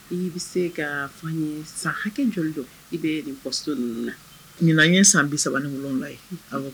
Nin bɛ se ka nin san, nin te jɔlibɔ, i bɛ nin poste ninnu nan. Ɲinan ye san 37 ye unhun, awƆ.